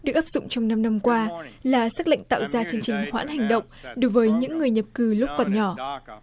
được áp dụng trong năm năm qua là sắc lệnh tạo ra chương trình hoãn hành động đối với những người nhập cư lúc còn nhỏ